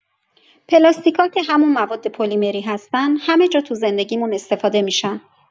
پلاستیکا که همون مواد پلیمری هستن، همه‌جا تو زندگیمون استفاده می‌شن.